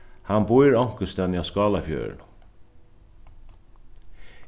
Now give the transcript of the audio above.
hann býr onkustaðni á skálafjørðinum